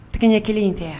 Tɛgɛ ɲɛ kelen in tɛ a